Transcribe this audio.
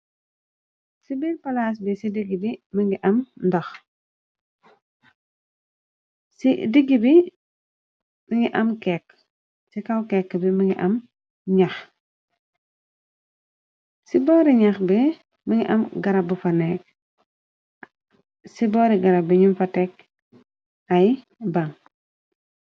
Ci bil palaas bi dx digg b, ci kaw kekk bi mëngi am ñaxoo, garab bi ñum fa tekk ay bam.